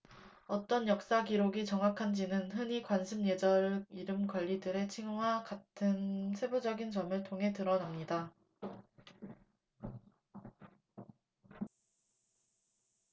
어떤 역사 기록이 정확한지는 흔히 관습 예절 이름 관리들의 칭호와 같은 세부적인 점을 통해 드러납니다